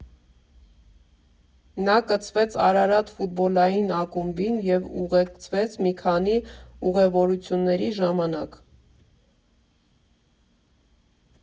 Նա կցվեց «Արարատ» ֆուտբոլային ակումբին և ուղեկցեց մի քանի ուղևորությունների ժամանակ։